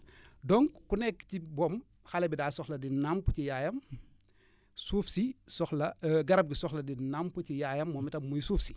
donc ku nekk ci moom xale bi daa soxla di nàmp ci yaayam suuf si soxla garab gi soxla di nàmp ci yaayam moom i tam muy suuf si